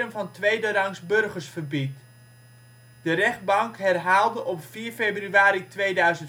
van tweederangsburgers verbiedt. De rechtbank herhaalde op 4 februari 2004 dat